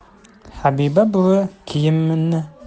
habiba buvi kiyimini doim